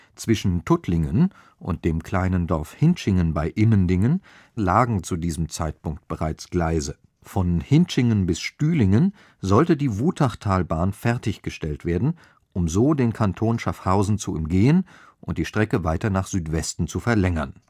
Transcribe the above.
Zwischen Tuttlingen und dem kleinen Dorf Hintschingen bei Immendingen lagen zu diesem Zeitpunkt bereits Gleise. Von Hintschingen bis Stühlingen sollte die Wutachtalbahn fertiggestellt werden, um so den Kanton Schaffhausen zu umgehen und die Strecke weiter nach Südwesten zu verlängern